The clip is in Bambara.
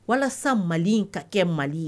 Walasa mali in ka kɛ mali ye